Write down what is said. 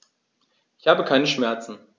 Ich habe keine Schmerzen.